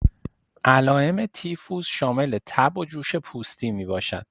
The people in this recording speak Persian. علائم تیفوس شامل تب و جوش پوستی می‌باشد.